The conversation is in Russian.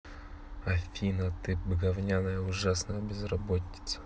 афина ты говняная ужасная безработица